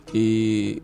Kee